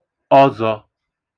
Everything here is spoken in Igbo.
ọzọ̄